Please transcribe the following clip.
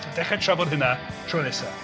Dechrau trafod hynna, tro nesaf.